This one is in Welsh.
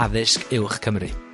addysg uwch Cymru.